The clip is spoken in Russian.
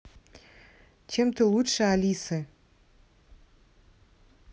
чем ты лучше алисы